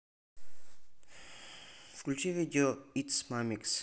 включить видео итс мамикс